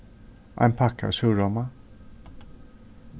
ein pakka av súrróma